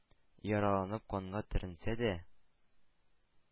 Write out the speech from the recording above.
Яраланып канга төренсә дә,